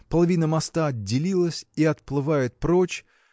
половина моста отделилась и отплывает прочь.